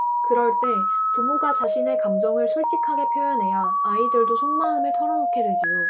그럴 때 부모가 자신의 감정을 솔직하게 표현해야 아이들도 속마음을 털어 놓게 되지요